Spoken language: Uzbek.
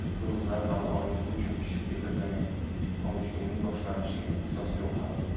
guruhlar hali olishuv uchun pishib yetilmagan olishuvning boshlanishiga asos yo'q hali